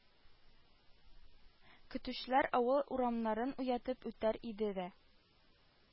Көтүчеләр авыл урамнарын уятып үтәр иде дә,